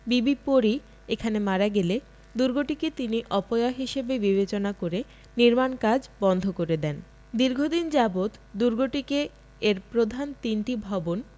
বিবি পরী এখানে মারা গেলে দুর্গটিকে তিনি অপয়া হিসেবে বিবেচনা করে নির্মাণ কাজ বন্ধ করে দেন দীর্ঘদিন যাবৎ দুর্গটিকে এর প্রধান তিনটি ভবন